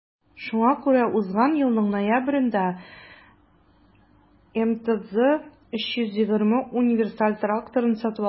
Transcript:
Шуңа күрә узган елның ноябрендә МТЗ 320 универсаль тракторын сатып алдык.